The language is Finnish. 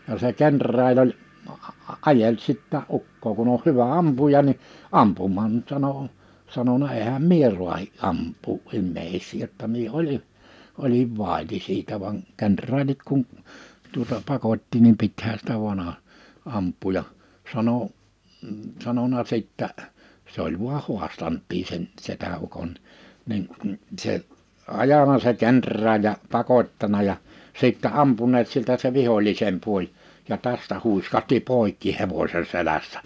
ja se kenraali oli ajeli sitäkin ukkoa kun on hyvä ampuja niin ampumaan mutta sanoi sanonut enhän minä raatsi ampua ihmisiä jotta minä olin olin vaiti siitä vaan kenraalit kun tuota pakotti niin pitihän sitä vain - ampua ja sanoi sanonut sitten se oli vain haastanutkin sen setäukon niin se ajanut se kenraali ja pakottanut ja sitten ampuneet siltä se vihollisen puoli ja tästä huiskahti poikki hevosen selässä